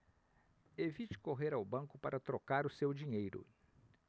evite correr ao banco para trocar o seu dinheiro